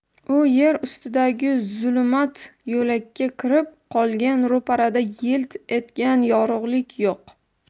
u yer ostidagi zulumot yo'lakka kirib qolgan ro'parada yilt etgan yorug'lik yo'q